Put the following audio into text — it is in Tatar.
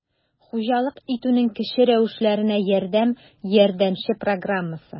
«хуҗалык итүнең кече рәвешләренә ярдәм» ярдәмче программасы